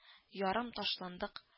Ярым ташландык